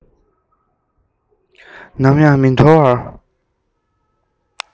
ནམ ཡང མི འདོར བར